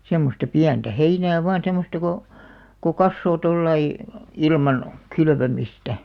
semmoista pientä heinää vain semmoista kun kun kasvaa tuolla lailla ilman kylvämistä